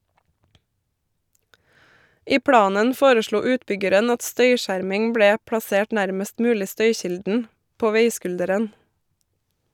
I planen foreslo utbyggeren at støyskjerming ble plassert nærmest mulig støykilden , på veiskulderen.